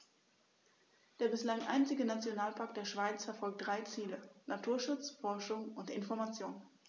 Der bislang einzige Nationalpark der Schweiz verfolgt drei Ziele: Naturschutz, Forschung und Information.